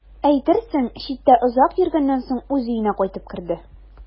Әйтерсең, читтә озак йөргәннән соң үз өенә кайтып керде.